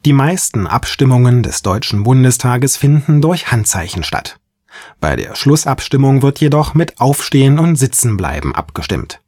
meisten Abstimmungen des Deutschen Bundestages finden durch Handzeichen statt. Bei der Schlussabstimmung wird jedoch mit Aufstehen und Sitzenbleiben abgestimmt